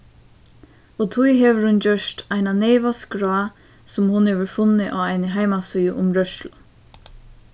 og tí hevur hon gjørt eina neyva skrá sum hon hevur funnið á eini heimasíðu um rørslu